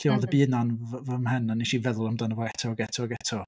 M-hm... Felly oedd y byd 'na yn fy fy mhen a wnes i feddwl amdano fo eto ac eto ac eto.